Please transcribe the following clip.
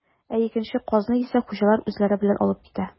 Ә икенче казны исә хуҗалар үзләре белән алып китә.